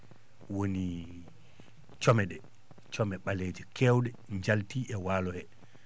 woni come ?e come ?aleeje keew?e njaltii e waalo hee